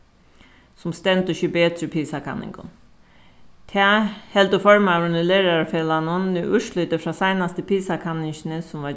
sum stendur seg betur í pisa-kanningum tað heldur formaðurin í lærarafelagnum nú úrslitið frá seinasti pisa-kanningini sum varð